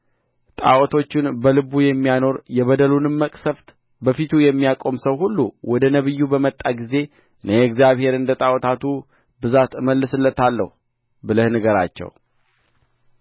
ጣዖቶቹን በልቡ የሚያኖር የበደሉንም መቅሠፍት በፊቱ የሚያቆም ሰው ሁሉ ወደ ነቢዩ በመጣ ጊዜ እኔ እግዚአብሔር እንደ ጣዖታቱ ብዛት እመልስለታለሁ ብለህ ንገራቸው